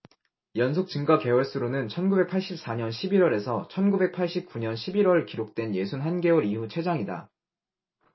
연속 증가 개월 수로는 천 구백 팔십 사 년 십 일 월 에서 천 구백 팔십 구 년 십 일 월 기록된 예순 한 개월 이후 최장이다